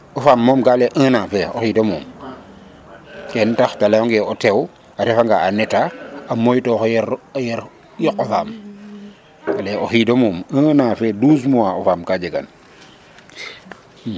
o faam moom ga lay ee 1 ans feyo o xiid o muum ken tax te layonge o tew a refanga en Etat a moytooxo yer yoq o faam ale o xiid o muum 1 ans fe 12 mois o faam ka jegan